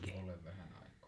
olen vähän aikaa